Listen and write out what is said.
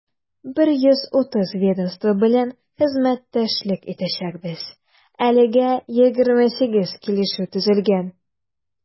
130 ведомство белән хезмәттәшлек итәчәкбез, әлегә 27 килешү төзелгән.